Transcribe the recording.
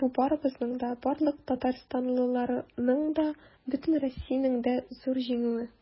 Бу барыбызның да, барлык татарстанлыларның да, бөтен Россиянең дә зур җиңүе.